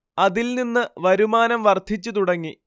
അതിൽ നിന്ന് വരുമാനം വർദ്ധിച്ചു തുടങ്ങി